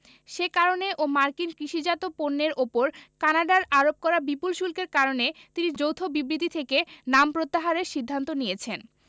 সে কারণে ও মার্কিন কৃষিজাত পণ্যের ওপর কানাডার আরোপ করা বিপুল শুল্কের কারণে তিনি যৌথ বিবৃতি থেকে নাম প্রত্যাহারের সিদ্ধান্ত নিয়েছেন